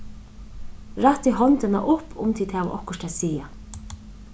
rættið hondina upp um tit hava okkurt at siga